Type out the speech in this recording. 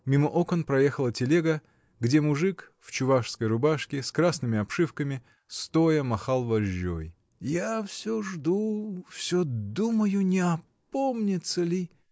Мимо окон проехала телега, где мужик, в чувашской рубашке, с красными обшивками, стоя махал вожжой. — Я всё жду. всё думаю, не опомнится ли?